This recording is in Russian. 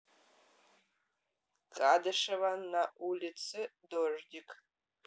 кадышева на улице дождик